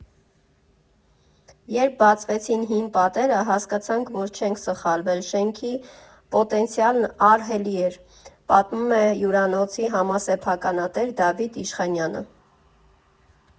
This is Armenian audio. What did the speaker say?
«Երբ բացվեցին հին պատերը, հասկացանք, որ չենք սխալվել, շենքի պոտենցիալն ահռելի էր»,֊ պատմում է հյուրանոցի համասեփականատեր Դավիթ Իշխանյանը։